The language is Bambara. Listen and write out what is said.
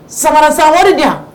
Sanbara sanwari di yan